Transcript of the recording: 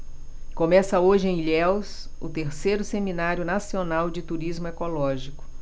começa hoje em ilhéus o terceiro seminário nacional de turismo ecológico